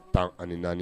Tan ani naani